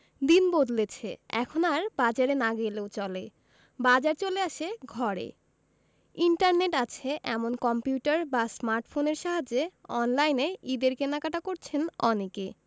দিন বদলেছে এখন আর বাজারে না গেলেও চলে বাজার চলে আসে ঘরে ইন্টারনেট আছে এমন কম্পিউটার বা স্মার্টফোনের সাহায্যে অনলাইনে ঈদের কেনাকাটা করছেন অনেকে